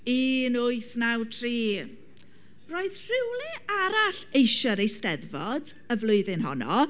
un wyth naw tri roedd rhywle arall eisiau'r Eisteddfod y flwyddyn honno.